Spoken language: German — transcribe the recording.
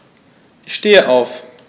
Ich stehe auf.